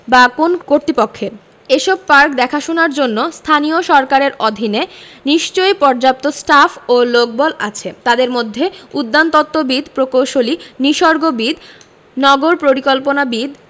বা কোন্ কর্তৃপক্ষের এসব পার্ক দেখাশোনার জন্য স্থানীয় সরকারের অধীনে নিশ্চয়ই পর্যাপ্ত স্টাফ ও লোকবল আছে তাদের মধ্যে উদ্যানতত্ত্ববিদ প্রকৌশলী নিসর্গবিদ নগর পরিকল্পনাবিদ